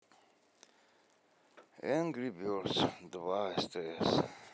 энгри бердс два стс